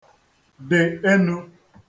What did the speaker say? dị̀ enū